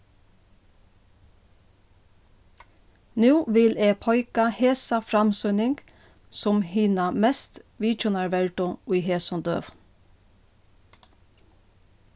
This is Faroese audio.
nú vil eg peika hesa framsýning sum hina mest vitjunarverdu í hesum døgum